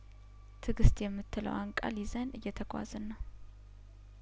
ትእግስት የምት ለዋን ቃል ይዘን እየተጓዝን ነው